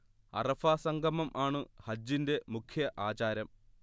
അറഫാ സംഗമം ആണു ഹജ്ജിന്റെ മുഖ്യ ആചാരം